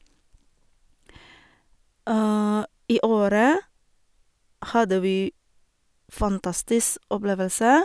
I Åre hadde vi fantastisk opplevelse.